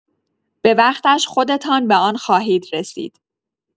به وقتش خودتان به آن خواهید رسید.